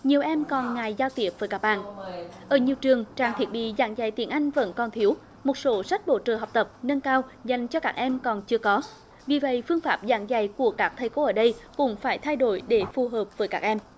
nhiều em còn ngại giao tiếp với các bạn ở nhiều trường trang thiết bị giảng dạy tiếng anh vẫn còn thiếu một số sách bổ trợ học tập nâng cao dành cho các em còn chưa có vì vậy phương pháp giảng dạy của các thầy cô ở đây cũng phải thay đổi để phù hợp với các em